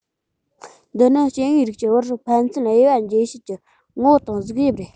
འདི ནི སྐྱེ དངོས རིགས ཀྱི བར ཕན ཚུན དབྱེ བ འབྱེད བྱེད ཀྱི ངོ བོ དང གཟུགས དབྱིབས རེད